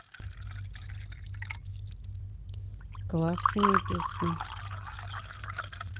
классные песни